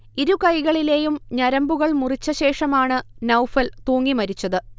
ഇരു കൈകളിലെയും ഞരമ്പുകൾ മുറിച്ചശേഷമാണു നൗഫൽ തൂങ്ങിമരിച്ചത്